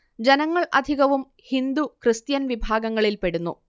ജനങ്ങൾ അധികവും ഹിന്ദു ക്രിസ്ത്യൻ വിഭാഗങ്ങളിൽ പെടുന്നു